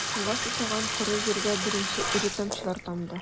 Суга сусаган коры җиргә беренче эре тамчылар тамды...